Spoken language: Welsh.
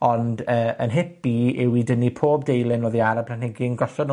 Ond yy 'yn nhip i yw i dynnu pob deilyn oddi ar y planhigyn, gosod nw